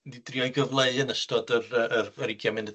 mynd i drio'i gyfleu yn ystod yr yy yr yr ugian